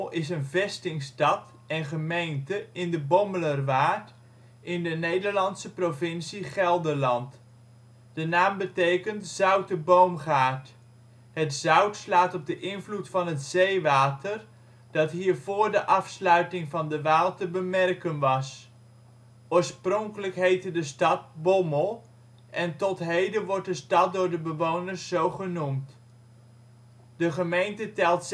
is een vestingstad en gemeente in de Bommelerwaard in de Nederlandse provincie Gelderland. De naam betekent zoute boomgaard. Het zout slaat op de invloed van het zeewater, dat hier voor de afsluitingen van de Waal te bemerken was. Oorspronkelijk heette de stad Bommel, en tot heden wordt de stad door de bewoners zo genoemd. De gemeente telt